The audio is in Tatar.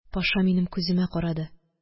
Паша минем күземә карады